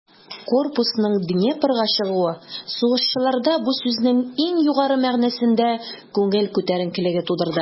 Корпусның Днепрга чыгуы сугышчыларда бу сүзнең иң югары мәгънәсендә күңел күтәренкелеге тудырды.